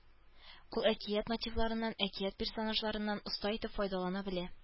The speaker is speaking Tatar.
Ул әкият мотивларыннан, әкият персонажларыннан оста итеп файдалана белә